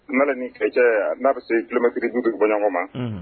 n'a bɛ se kilomɛtɛrɛ 50 bɔɲɔgɔko ma, unhun